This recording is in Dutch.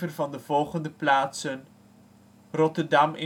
van de volgende plaatsen: Rotterdam